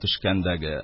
Төшкәндәге